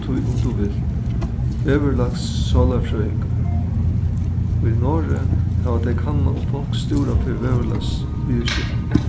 tí um tú vilt veðurlagssálarfrøðingar í noregi hava tey kannað um fólk stúra fyri veðurlagsviðurskiftunum